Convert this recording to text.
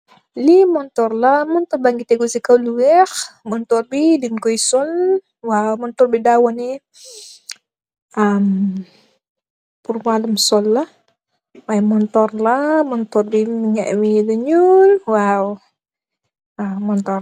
Li montor la. Montor ba ngi tegu si haw Lu weehh. Montor bi deng koye soll. Waaw, montor da waneh amm purr waloum soll la, waye montor la. Montor bi mungi ameh lu nyul. Waaw, waaw montor.